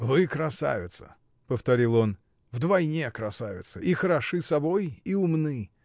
— Вы красавица, — повторил он, — вдвойне красавица. И хороши собой, и умны.